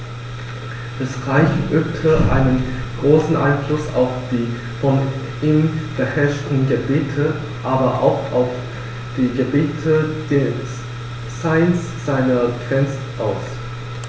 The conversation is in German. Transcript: Das Reich übte einen großen Einfluss auf die von ihm beherrschten Gebiete, aber auch auf die Gebiete jenseits seiner Grenzen aus.